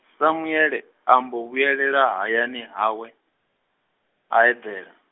Samuele, ambo vhuelela hayani hawe, a eḓela.